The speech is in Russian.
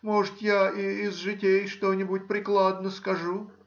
может, я и из житий что-нибудь прикладно скажу.